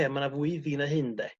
oce ma' 'na fwy iddi na hyn 'de